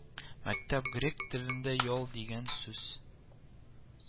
Мәктәп грек телендә ял дигән сүз